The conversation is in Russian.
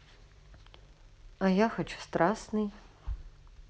а я хочу страсный